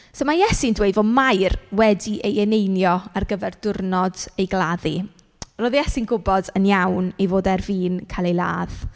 So mae Iesu'n dweud fod Mair wedi ei eneinio ar gyfer diwrnod ei gladdu. Roedd Iesu'n gwybod yn iawn ei fod e ar fin cael ei ladd.